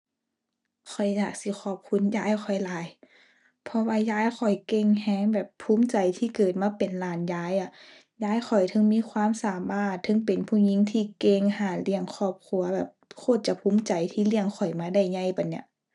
ข้อยอยากสิขอบคุณยายข้อยหลาย เพราะว่ายายข้อยเก่งแรง แบบภูมิใจที่เกิดมาเป็นหลานยายอะ ยายข้อยเทิงมีความสามารถ เทิงเป็นผู้หญิงที่เก่ง หาเลี้ยงครอบครัว แบบโคตรจะภูมิใจที่เลี้ยงข้อยมาได้ใหญ่ปานนี้อะ